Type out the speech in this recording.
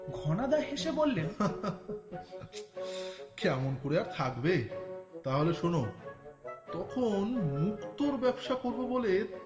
ঘনাদা হেসে বললেন কেমন করে আর থাকবে তাহলে শোনো তখন মুক্তোর ব্যবসা করব বলে